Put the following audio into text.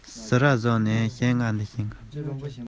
སྐད དེ ཐོས འཕྲལ